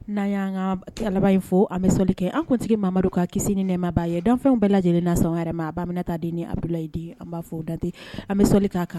N'a y'an ka kalaba in fɔ an bɛ selili kɛ an tuntigi mamadu ka kisi ni nɛma b'a ye danfɛnw bɛɛ lajɛlen na san wɛrɛma ba taaden a bilayiden an b'a fɔ' dante an bɛ so k ka kan